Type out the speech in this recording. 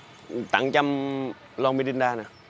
tặng châm lon mi rin đa nè